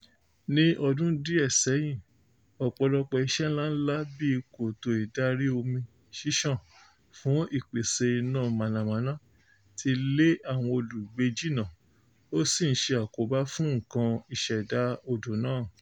Ní ọdún díẹ̀ sẹ́yìn, ọ̀pọ̀lọpọ̀ iṣẹ́ ńláǹlà bíi kòtò ìdarí-omi ṣíṣàn fún Ìpèsè Iná Mànàmáná ti lé àwọn olùgbé jìnà ó sì ń ṣe àkóbá fún nnkan ìṣẹ̀dá odò náà.